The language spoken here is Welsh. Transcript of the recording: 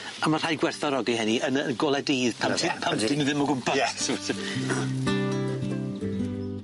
A ma' rhai' gwerthfawrogi hynny yn y y gole dydd pam ti pam ti... 'Dyn nw ddim o gwmpas. Ie.